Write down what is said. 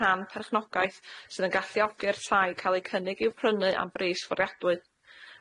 rhan perchnogaeth sydd yn galluogi'r tai cael eu cynnig i'w prynu am bris fforiadwy.